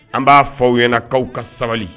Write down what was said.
An b'a fɔ aw ɲɛna kaw ka sabali